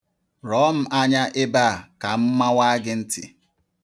Rọọ m anya ebe a ka m mawaa gị ntị.